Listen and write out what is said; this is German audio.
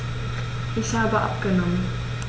Ich habe abgenommen.